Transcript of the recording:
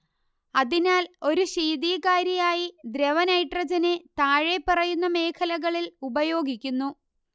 അതിനാൽ ഒരു ശീതീകാരിയായി ദ്രവനൈട്രജനെ താഴെപ്പറയുന്ന മേഖലകളിൽ ഉപയോഗിക്കുന്നു